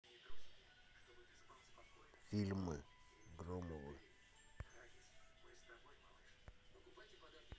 фильм громовы